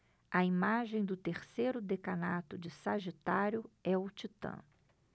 a imagem do terceiro decanato de sagitário é o titã